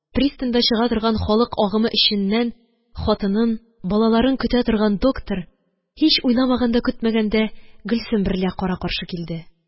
Пристаньда чыга торган халык агымы эченнән хатынын, балаларын көтә торган доктор, һич уйламаганда, көтмәгәндә, Гөлсем берлә кара-каршы килде.